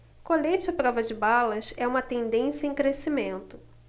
colete à prova de balas é uma tendência em crescimento